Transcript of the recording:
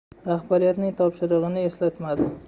rahbariyatning topshirig'ini eslatmadi